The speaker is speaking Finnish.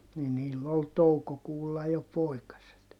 niin niillä oli toukokuulla jo poikaset